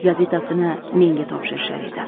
gazetasini menga topshirishar edi